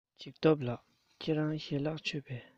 འཇིགས སྟོབས ལགས ཁྱེད རང ཞལ ལག མཆོད པས